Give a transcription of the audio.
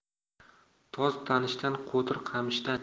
toz tanishdan qo'tir qamishdan